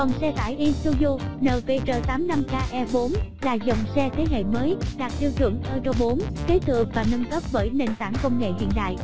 còn xe tải isuzu npr ke là dòng xe thế hệ mới đạt tiêu chuẩn euro kế thừa và nâng cấp bởi nền tảng công nghệ hiện đại